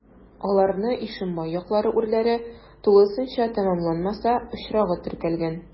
Аларны Ишембай яклары урләре тулысынча тәмамланмаса очрагы теркәлгән.